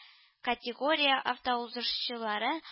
Категория автоузышчылары